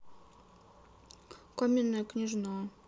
каменная княжна